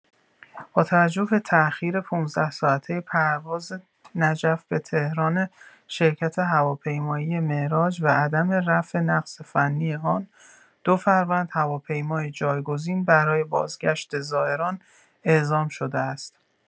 با توجه به تاخیر ۱۵ ساعته پرواز نجف به تهران شرکت هواپیمایی معراج و عدم رفع نقص فنی آن، دو فروند هواپیمای جایگزین برای بازگشت زائران اعزام‌شده است.